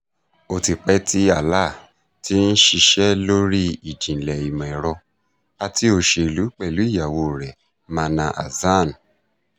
Ó ti pẹ́ tí Alaa ti ń ṣiṣẹ́ lóríi ìjìnlẹ̀ ìmọ̀-ẹ̀rọ àti òṣèlú pẹ̀lú ìyàwóo rẹ̀, Manal Hassan.